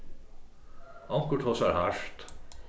onkur tosar hart